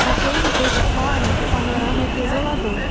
pra quem vê de fora o panorama é desolador